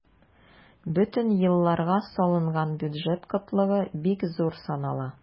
Бөтен елларга салынган бюджет кытлыгы бик зур санала.